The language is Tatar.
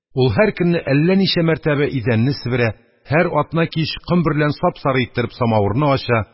Ул һәр көнне әллә ничә мәртәбә идәнне себерә, һәр атнакич ком берлән сап-сары итеп самавырны ача,